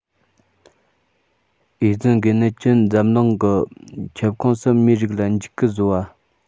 ཨེ ཙི འགོས ནད ཀྱིས འཛམ གླིང གི ཁྱབ ཁོངས སུ མིའི རིགས ལ འཇིགས སྐུལ བཟོ བ